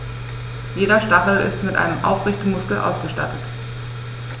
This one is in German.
Jeder Stachel ist mit einem Aufrichtemuskel ausgestattet.